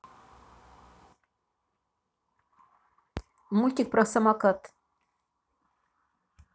мультик про самокат